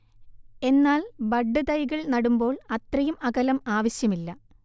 എന്നാൽ ബഡ്ഡ് തൈകൾ നടുമ്പോൾ അത്രയും അകലം ആവശ്യമില്ല